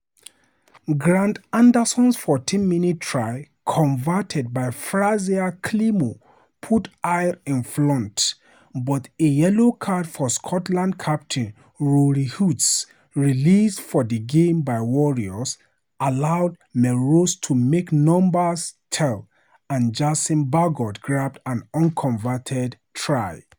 Grant Anderson's 14th minute try, converted by Frazier Climo, put Ayr in front, but, a yellow card for Scotland cap Rory Hughes, released for the game by Warriors, allowed Melrose to make numbers tell and Jason Baggot grabbed an unconverted try.